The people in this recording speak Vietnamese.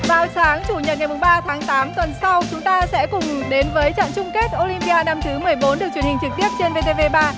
vào sáng chủ nhật ngày mùng ba tháng tám tuần sau chúng ta sẽ cùng đến với trận chung kết ô lim pi a năm thứ mười bốn được truyền hình trực tiếp trên vê tê vê ba